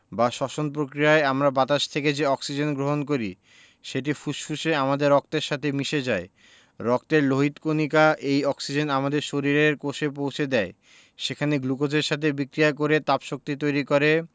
বা শ্বসন প্রক্রিয়ায় আমরা বাতাস থেকে যে অক্সিজেন গ্রহণ করি সেটি ফুসফুসে আমাদের রক্তের সাথে মিশে যায় রক্তের লোহিত কণিকা এই অক্সিজেন আমাদের শরীরের কোষে পৌছে দেয় সেখানে গ্লুকোজের সাথে বিক্রিয়া করে তাপশক্তি তৈরি করে